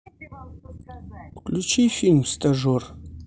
включи фильм стажер